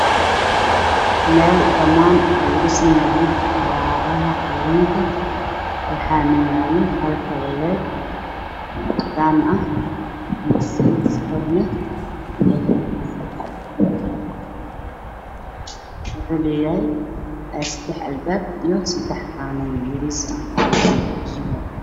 Waa armaajo midabkeedu yahay caddaan waxa ay taala meel banaan oo cid ah waxa ay leedahay saddex qaata